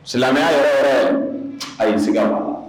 Silamɛya yɛrɛ a ye sigi